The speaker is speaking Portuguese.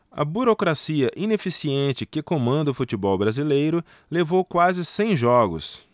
a burocracia ineficiente que comanda o futebol brasileiro levou quase cem jogos